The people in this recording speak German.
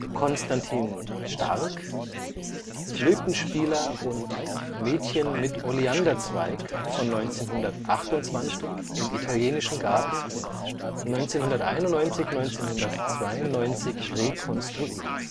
Constantin Starck: Flötenspieler und Mädchen mit Oleanderzweig von 1928 im Italienischen Garten, 1991 / 1992 rekonstruiert